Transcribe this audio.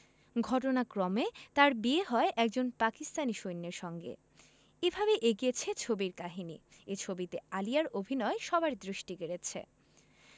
ঘটনাক্রমে তার বিয়ে হয় একজন পাকিস্তানী সৈন্যের সঙ্গে এভাবেই এগিয়েছে ছবির কাহিনী এই ছবিতে আলিয়ার অভিনয় সবার দৃষ্টি কেড়েছে